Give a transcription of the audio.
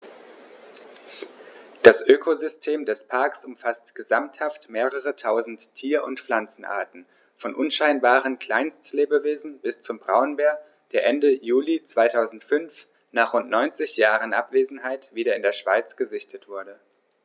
Das Ökosystem des Parks umfasst gesamthaft mehrere tausend Tier- und Pflanzenarten, von unscheinbaren Kleinstlebewesen bis zum Braunbär, der Ende Juli 2005, nach rund 90 Jahren Abwesenheit, wieder in der Schweiz gesichtet wurde.